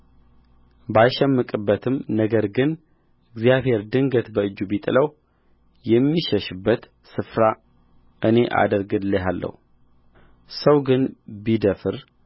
ባይሸምቅበትም ነገር ግን እግዚአብሔር ድንገት በእጁ ቢጥለው የሚሸሽበት ስፍራ እኔ አደርግልሃለሁ ሰው ግን ቢደፍር